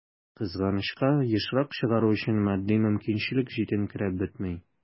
Кызганычка, ешрак чыгару өчен матди мөмкинчелек җитенкерәп бетми.